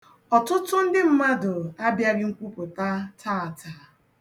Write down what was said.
Ọtụtụ ndị mmadụ abịaghị nkwupụta taata.